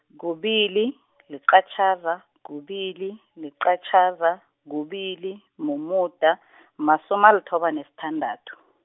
kubili, liqatjhaza, kubili, liqatjhaza, kubili, mumuda , masumi alithoba nesithandathu.